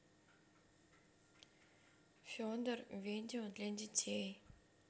федор видео для детей